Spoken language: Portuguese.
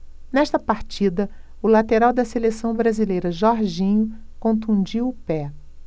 nesta partida o lateral da seleção brasileira jorginho contundiu o pé